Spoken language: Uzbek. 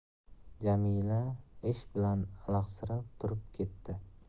jamila ish bilan alahsirab turdib ketdi